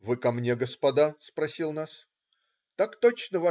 "Вы ко мне, господа?" - спросил нас. "Так точно.